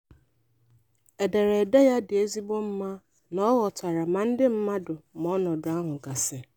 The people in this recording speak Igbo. Ederede ya dị ezigbo mma na ọ ghọtara ma ndị mmadụ ma ọnọdụ ahụ gasị.